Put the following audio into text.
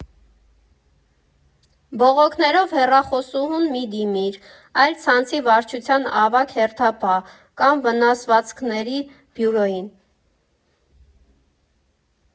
Բողոքներով հեռախոսուհուն մի՛ դիմիր, այլ ցանցի վարչության ավագ հերթապահ, կամ վնասվածքների բյուրոյին։